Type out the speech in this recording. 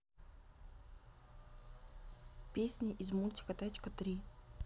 песни из мультика тачки три